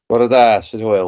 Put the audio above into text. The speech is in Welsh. Bore da, sut hwyl?